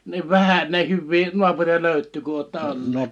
niin vähän näin hyviä naapureita löytyy kuin olette olleet